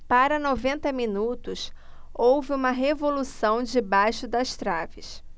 para noventa minutos houve uma revolução debaixo das traves